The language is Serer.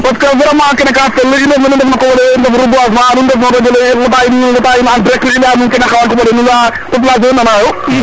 parce vraiment kene ka fel in ndef mene ndef no reboisement nu ndef no radio le ŋota in en direct i leya nuun kena xewa koɓale population ne nana yo